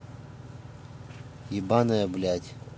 ебаная блядь